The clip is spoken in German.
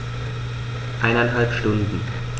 Eineinhalb Stunden